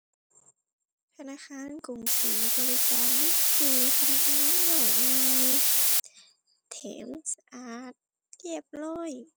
ธนาคารกรุงศรีบริการดีดี พนักงานเว้าง่าย แถมสะอาด เรียบร้อย